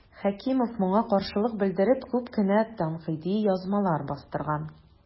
Хәкимов моңа каршылык белдереп күп кенә тәнкыйди язмалар бастырган.